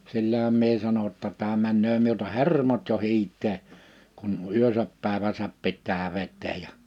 sillähän minä sanoin jotta tämä menee minulta hermot jo hiiteen kun yönsä päivänsä pitää vetää ja -